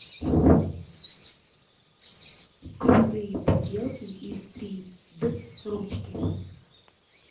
крутые поделки из три д ручки